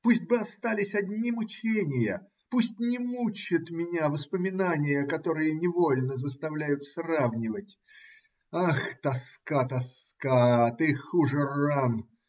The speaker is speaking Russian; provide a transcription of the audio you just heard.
пусть бы остались одни мученья, пусть не мучат меня воспоминания, которые невольно заставляют сравнивать. , Ах, тоска, тоска! Ты хуже ран.